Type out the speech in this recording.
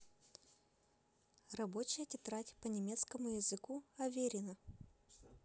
рабочая тетрадь по немецкому языку аверина